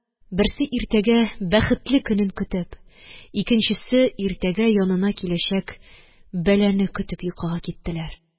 Берсе иртәгә бәхетле көнен көтеп, икенчесе иртәгә янына киләчәк бәлане көтеп йокыга киттеләр.